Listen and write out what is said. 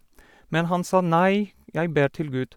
Nei, jeg ber til Gud.